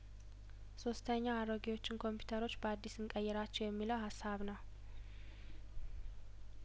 ሶስተኛው አሮጌዎችን ኮምፒውተሮች በአዲስ እንቀ ይራቸው የሚለው ሀሳብ ነው